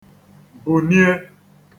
bùnie